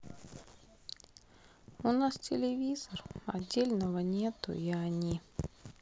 у нас телевизор отдельного нету и они